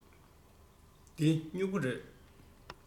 འདི སྨྲུ གུ རེད